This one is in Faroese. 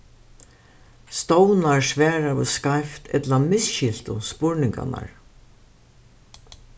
stovnar svaraðu skeivt ella misskiltu spurningarnar